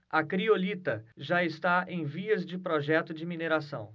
a criolita já está em vias de projeto de mineração